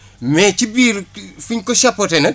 mais ci biir fiñ ko chapoter nag